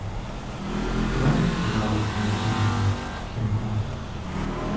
дайте жалобную книгу кино